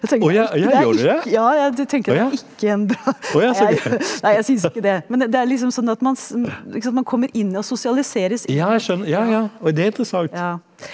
jeg tenker det er ikke ja ja det tenker jeg er ikke en bra jeg nei jeg syns ikke det, men det er liksom sånn at man liksom man kommer inn og sosialiseres inn ja.